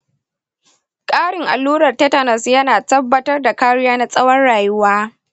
ƙarin allurar tetanus yana tabbatar da kariya na tsawon rayuwa.